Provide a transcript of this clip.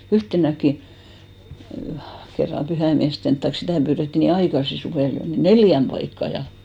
yhtenäkin kerran pyhäinmiesten tai sitä pyydettiin niin aikaisin suvella jo niin neljään paikkaan ja